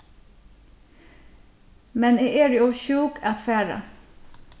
men eg eri ov sjúk at fara